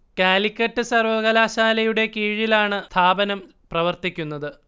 കാലിക്കറ്റ് സർവ്വകലാശാലയുടെ കീഴിലാണ് സ്ഥാപനം പ്രവർത്തിക്കുന്നത്